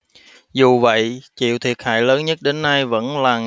dù vậy chịu thiệt hại lớn nhất đến nay vẫn là nga